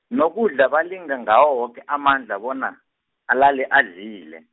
nokudla balinga ngawo woke amandla bona, alale adlile.